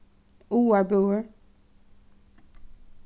áarbøur